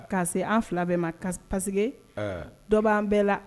K'a se an 2 bɛɛ man parce que ɔ, dɔ bɛ an bɛɛ la!